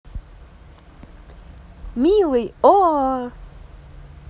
милый оо